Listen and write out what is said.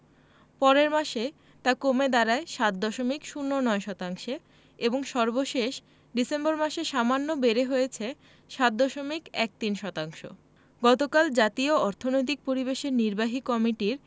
পরের মাসে তা কমে দাঁড়ায় ৭ দশমিক ০৯ শতাংশে এবং সর্বশেষ ডিসেম্বরে সামান্য বেড়ে হয়েছে ৭ দশমিক ১৩ শতাংশ গতকাল জাতীয় অর্থনৈতিক পরিষদের নির্বাহী কমিটির